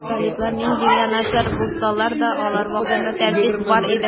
Талиблар нинди генә начар булсалар да, алар вакытында тәртип бар иде.